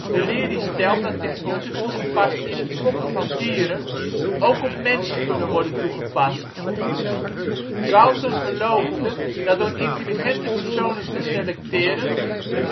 de leer die stelt dat technieken toegepast in het fokken van dieren ook op mensen kunnen worden toegepast. Galton geloofde dat door intelligente personen te selecteren de